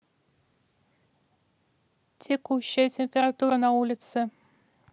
текущая температура на улице